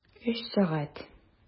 Өч сәгать!